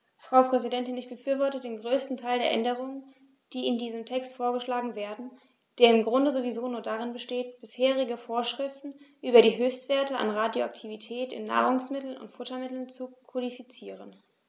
Frau Präsidentin, ich befürworte den größten Teil der Änderungen, die in diesem Text vorgeschlagen werden, der im Grunde sowieso nur darin besteht, bisherige Vorschriften über die Höchstwerte an Radioaktivität in Nahrungsmitteln und Futtermitteln zu kodifizieren.